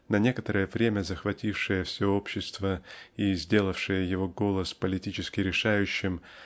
на некоторое время захватившая все общество и сделавшая его голос политически решающим